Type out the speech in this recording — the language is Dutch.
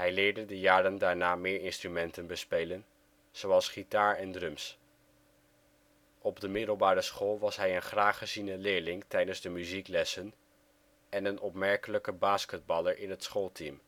leerde de jaren daarna meer instrumenten bespelen, zoals gitaar en drums. Op de middelbare school was hij een graag geziene leerling tijdens de muzieklessen en een opmerkelijke basketballer in het schoolteam